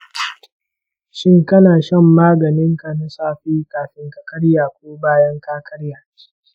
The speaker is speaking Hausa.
shin kana shan maganinka na safe kafin ka karya ko bayan ka karya?